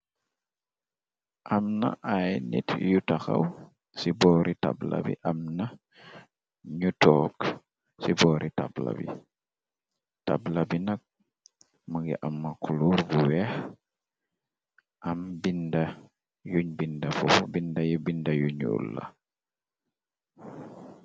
Am na ay nit yu taxaw ci boori tabla bi am na ñu toog ci boori tabla bi tabla binak mu ngi am culuur bu weex am binda binda yu ñyuul la.